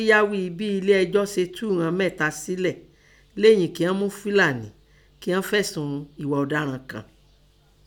Móríyá ghíi bí ẹlé ẹjọ́ se tú ìnan mẹ́tà sẹ́lẹ̀ leyìn kían mú Fílàní kían fẹ̀sùn ẹ̀ghà ọ̀daràn kàn.